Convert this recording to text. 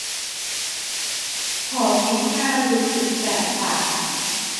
พอกินข้าวรู้สึกแสบปาก